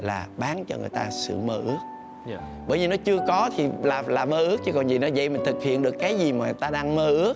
là bán cho người ta sự mơ ước bởi vì nó chưa có thì làm là mơ ước chứ còn gì nữa vậy mình thực hiện được cái gì mà người đang mơ ước